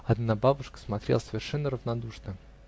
одна бабушка смотрела совершенно равнодушно.